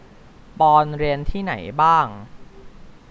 ปอนด์เรียนที่ไหนบ้าง